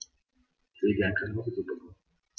Ich will gerne Kartoffelsuppe kochen.